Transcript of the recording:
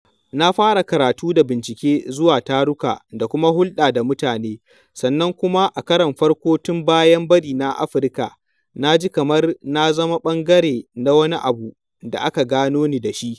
Na fara karatu da bincike, zuwa taruka, da kuma hulɗa da mutane, sannan kuma a karon farko tun bayan barina Afirka, na ji kamar na zama ɓangare na wani abu da aka gano ni dashi .